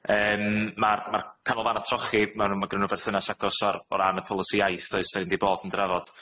Yym ma'r- ma'r canolfanna trochi, ma' nw- ma' gynno nw berthynas agos o r- o ran y polisi iaith, does, 'dan ni 'di bod yn drafod.